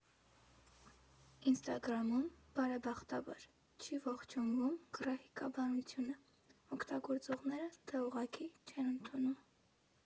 Ինստագրամում, բարեբախտաբար, չի ողջունվում գռեհկաբանությունը, օգտագործողները դա ուղղակի չեն ընդունում։